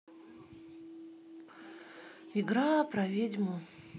игра про ведьму